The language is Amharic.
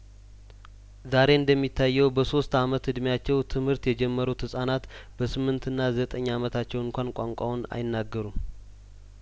ዛሬ እንደሚታየው በሶስት አመት እድሜያቸው ትምህርት የጀመሩት ህጻናት በስምንትና ዘጠኝ አመታቸው እንኳን ቋንቋውን አይናገሩም